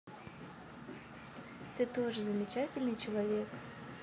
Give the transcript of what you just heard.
ты тоже замечательный человек